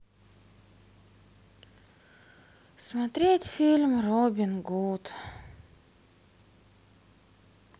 смотреть фильм робин гуд